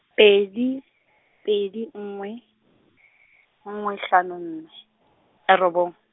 pedi pedi nngwe, nngwe hlano nne, a robong.